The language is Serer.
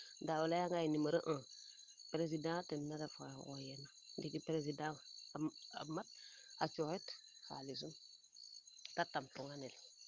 ndaa o leya ngaye numero un president ten ref oxa xoyeena ndiiki president a mat a cooxit xalisum te tampo ne el